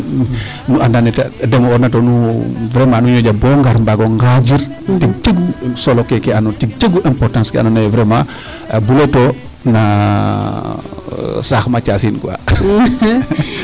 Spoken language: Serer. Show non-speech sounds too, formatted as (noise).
Nu anda neete deme'oorna to nu vraiment nu ñaƴa boo ngar mbaag o nganjir tig cegu solo kene andoona yee tig cegu importance ke andoona ye vraiment buleeto no saax Mathiase in quoi. (laughs)